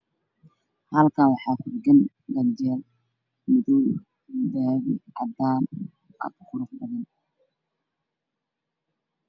Halkaan waxaa ku dhagan madow cadaan jaalo cagaar